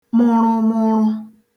mụrụmụrụ